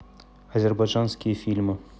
азербайджанские фильмы